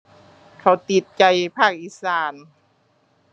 เขาติดใจภาคอีสาน